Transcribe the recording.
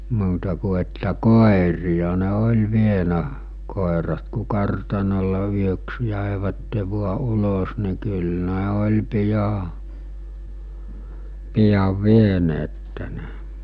muuta kuin että koiria ne oli vienyt koirat kun kartanolle yöksi jäivät vain ulos niin kyllä ne oli pian pian vieneet ne